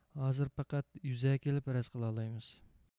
ھازىر پەقەت يۈزەكىلا پەرەز قىلالايمىز